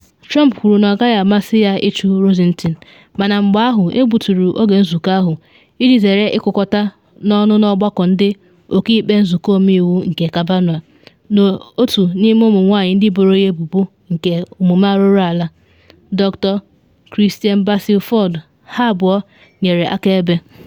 Trump kwuru na “ọ gaghị amasị” ya ịchụ Rosentein mana mgbe ahụ egbuturu oge nzụkọ ahụ iji zere ịkụkọta n’ọnụnụ ọgbakọ ndị ọkaikpe Nzụkọ Ọmeiwu nke Kavanaugh na otu n’ime ụmụ nwanyị ndị boro ya ebubo nke omume arụrụ ala, Dk Christine Blasey Ford, ha abụọ nyere akaebe.